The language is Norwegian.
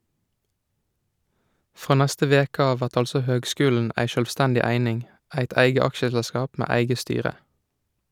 Frå neste veke av vert altså høgskulen ei sjølvstendig eining , eit eige aksjeselskap med eige styre.